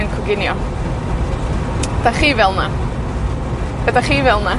yn coginio. 'Dach chi fel 'na? Ydach chi fel 'na?